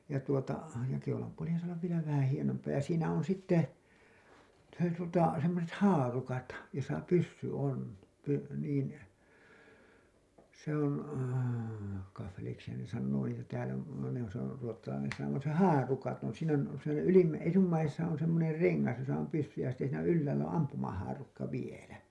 ja tuota ja keulanpuolihan saa olla vielä vähän hienompaa ja siinä on sitten se tuota semmoiset haarukat jossa pyssy on - niin se on kaffeliksihan ne sanoo niitä täällä ne on se on ruotsalainen sana kun se haarukat on siinä on siinä - etummaisessa on semmoinen rengas jossa on pyssy ja sitten siinä ylhäällä on ampumahaarukka vielä